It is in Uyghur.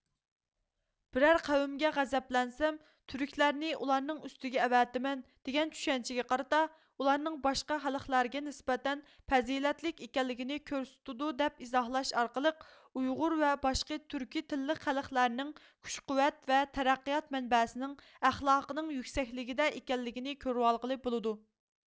بىرەر قەۋمگە غەزەپلەنسەم تۈركلەرنى ئۇلارنىڭ ئۈستىگە ئەۋەتىمەن دېگەن چۈشەنچىگە قارىتا ئۇلارنىڭ باشقا خەلقلەرگە نىسبەتەن پەزىلەتلىك ئىكەنلىكىنى كۆرسىتىدۇ دەپ ئىزاھلاش ئارقىلىق ئۇيغۇر ۋە باشقا تۈركىي تىللىق خەلقلەرنىڭ كۈچ قۇۋۋەت ۋە تەرەققىيات مەنبەسىنىڭ ئەخلاقىنىڭ يۈكسەكلىكىدە ئىكەنلىكىنى كۆرۋلغىلى بولىدۇ